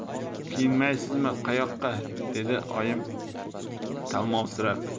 kiyinmaysizmi qayoqqa dedi oyim talmovsirab